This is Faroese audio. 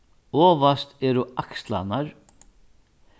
ovast eru akslarnar